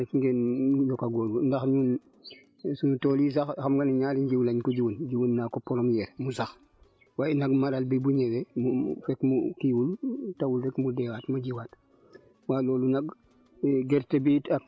et léegi nag ñun tam ñu ngi ñaax rek nangeen yokk a góorgóorlu ndax ñun suñ tool yi sax xam nga ne ñaari njiw lañ ko jiw ñu naan ko premier du sax waaye nag maral bi bu ñëwee mu fekk mu kiiwul tawul rek mu deewaat mu jiwaat